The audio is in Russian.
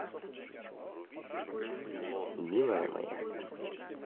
милая моя